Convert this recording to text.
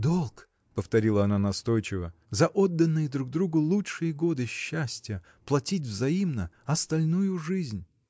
— Долг, — повторила она настойчиво, — за отданные друг другу лучшие годы счастья платить взаимно остальную жизнь.